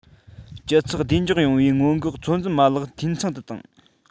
སྤྱི ཚོགས བདེ འཇགས ཡོང བའི སྔོན འགོག ཚོད འཛིན མ ལག འཐུས ཚང དུ བཏང